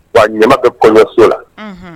Wa ɲamakɛ kɔɲɔso la